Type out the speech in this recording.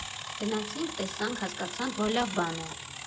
Գնացինք, տեսանք, հասկացանք, որ լավ բան է։